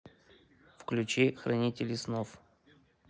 включи хранитель снов